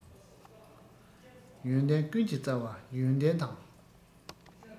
ཡོན ཏན ཀུན གྱི རྩ བ ཡོན ཏན དང